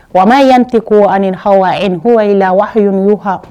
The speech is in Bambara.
Wa yante ko ani ani hyi la wahiyl' h